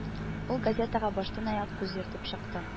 Ул газетага баштанаяк күз йөртеп чыкты